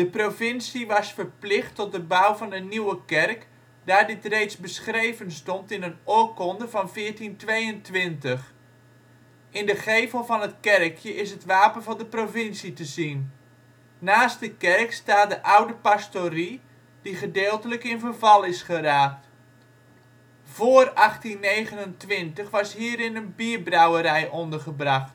provincie was verplicht tot de bouw van een nieuwe kerk, daar dit reeds beschreven stond in een oorkonde van 1422. In de gevel van het kerkje is het wapen van de provincie te zien. Naast de kerk staat de oude pastorie, die gedeeltelijk in verval is geraakt. Vóór 1829 was hierin een bierbrouwerij ondergebracht. De